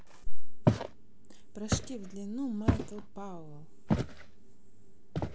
прыжки в длину майкл пауэл